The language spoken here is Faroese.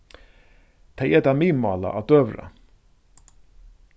tey eta miðmála á døgurða